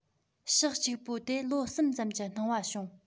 ཞག གཅིག པོ དེ ལོ གསུམ ཙམ གྱི སྣང བ བྱུང